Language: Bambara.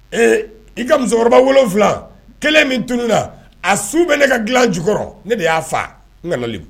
Ee i ka musokɔrɔba wolonfila kelen min tunun na a su bɛ ne ka dila jukɔrɔ ne de y'a faa nli